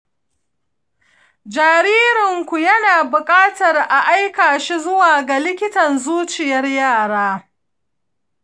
jaririn ku yana buƙatar a aika shi zuwa ga likitan zuciyar yara.